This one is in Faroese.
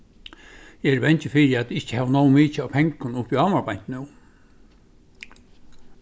eg eri bangin fyri at eg ikki havi nóg mikið av pengum uppi á mær beint nú